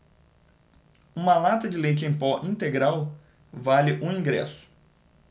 uma lata de leite em pó integral vale um ingresso